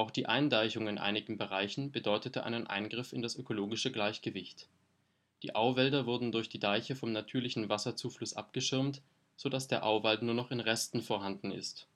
die Eindeichung in einigen Bereichen bedeutete einen Eingriff in das ursprünglich bestehende, ökologische Gleichgewicht. Die Auwälder wurden durch die Deiche vom natürlichen Wasserzufluss abgeschirmt, so dass der Auwaldbestand nur noch in Restbeständen vorhanden ist